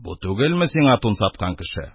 — бу түгелме сиңа тун саткан кеше?